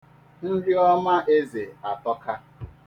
Nri ọma eze atọka.